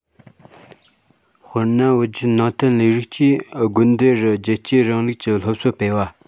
དཔེར ན བོད བརྒྱུད ནང བསྟན ལས རིགས ཀྱིས དགོན སྡེ རུ རྒྱལ གཅེས རིང ལུགས ཀྱི སློབ གསོ སྤེལ བ